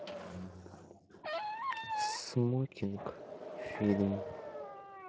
смокинг фильм